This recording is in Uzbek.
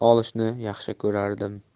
olishni yaxshi ko'rardim